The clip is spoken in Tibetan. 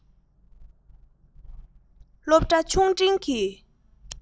སློབ གྲྭ ཆུང འབྲིང གི